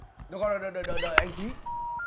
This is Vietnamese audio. được rồi đợi đợi đợi anh tý